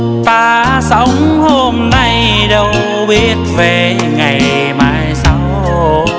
ta sống hôm nay đâu biết về ngày mai sau